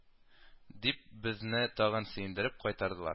Дип, безне тагын сөендереп кайтардыл